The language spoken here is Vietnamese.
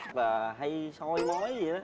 và hay soi mói dị đó